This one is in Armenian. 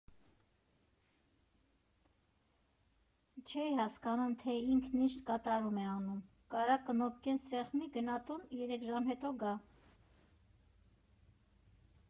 Չէի հասկանում, թե ինքն ինչ կատարում է անում, կարա կնոպկեն սեղմի, գնա տուն, երեք ժամ հետո գա.